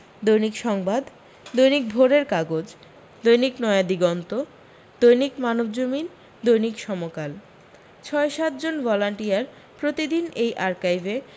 দৈনিক সংবাদ দৈনিক ভোরের কাগজ দৈনিক নয়া দিগন্ত দৈনিক মানবজমিন দৈনিক সমকাল ছয় সাত জন ভলান্টিয়ার প্রতিদিন এই আর্কাইভে